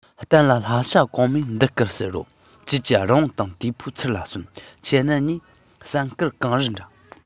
གཏམ ལ ལྷ བྱ གོང མོས འདི སྐད ཟེར རོ ཀྱེ ཀྱེ རི བོང དང དེ ཕོ ཚུར ལ གསོན ཁྱེད རྣམས གཉིས བསམ དཀར གངས རི འདྲ